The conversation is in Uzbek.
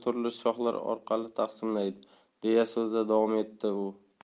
shoxlar orqali taqsimlaydi deya so'zida davom etadi u